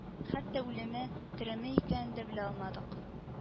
Хәтта үлеме, тереме икәнен дә белә алмадык